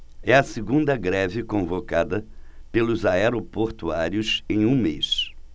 é a segunda greve convocada pelos aeroportuários em um mês